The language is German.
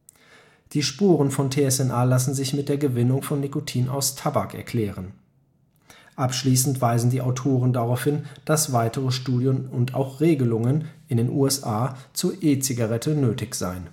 Die Spuren von TSNA lassen sich mit der Gewinnung von Nikotin aus Tabak erklären. Abschließend weisen die Autoren darauf hin, dass weitere Studien und auch Regelungen (in den USA) zur E-Zigarette nötig seien